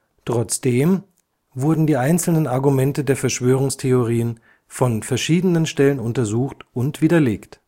Trotzdem wurden die einzelnen Argumente der Verschwörungstheorien von verschiedenen Stellen untersucht und widerlegt